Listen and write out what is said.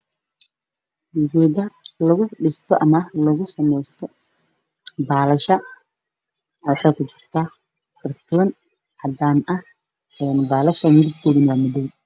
Waa kartoon waxaa ku sawiran baalasha indhaha midadkooda yahay madow